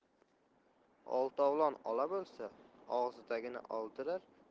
oltovlon ola bo'lsa og'zidagini oldirar